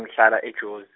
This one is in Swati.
ngihlala eJozi.